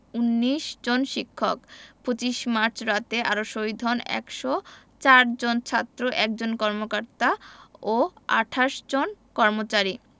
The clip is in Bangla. ১৯ জন শিক্ষক ২৫ মার্চ রাতে আরো শহীদ হন ১০৪ জন ছাত্র ১ জন কর্মকর্তা ও ২৮ জন কর্মচারী